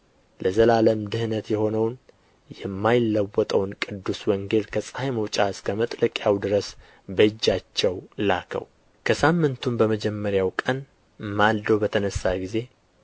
ለዘላለም ድኅነት የሆነውን የማይለወጠውን ቅዱስ ወንጌል ከፀሐይ መውጫ እስከ መጥለቂያው ድረስ በእጃቸው ላከው ከሳምንቱም በመጀመሪያው ቀን ማልዶ በተነሣ ጊዜ